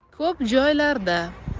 ko'p joylarda